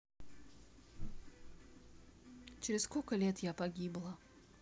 через сколько лет я погибла